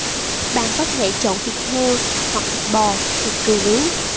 bạn có thể chọn thịt heo hoặc thịt bò thịt cừu nướng